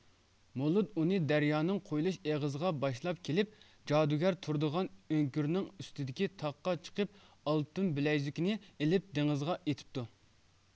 مولۇد ئۇنى دەريانىڭ قۇيۇلۇش ئېغىزىغا باشلاپ كېلىپ جادۇگەر تۇرىدىغان ئۆڭكۈرنىڭ ئۈستىدىكى تاغقا چىقىپ ئالتۇن بىلەيزۈكىنى ئېلىپ دېڭىزغا ئېتىپتۇ